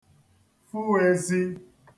fụ ezī